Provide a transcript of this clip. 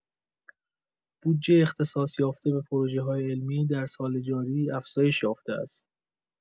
بودجۀ اختصاص‌یافته به پروژه‌های علمی در سال جاری افزایش یافته است.